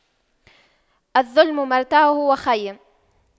الظلم مرتعه وخيم